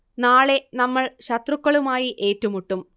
നാളെ നമ്മൾ ശത്രുക്കളുമായി ഏറ്റുമുട്ടും